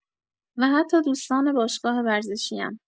و حتی دوستان باشگاه ورزشی‌ام